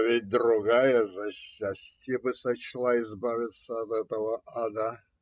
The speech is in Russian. - Ведь другая за счастье бы сочла избавиться от этого ада.